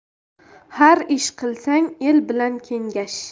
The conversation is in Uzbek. har ish qilsang el bilan kengash